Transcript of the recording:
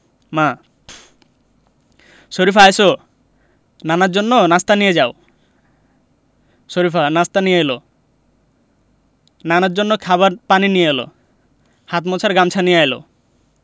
মা শরিফা এসো নানার জন্য নাশতা নিয়ে যাও শরিফা নাশতা নিয়ে এলো নানার জন্য খাবার পানি নিয়ে এলো হাত মোছার গামছা নিয়ে এলো